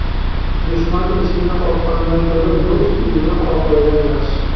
dushman eshigini qoqqandan ko'ra do'st uyini qoqlagan yaxshi